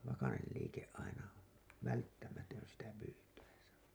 vakainen liike aina välttämätön sitä pyytäessä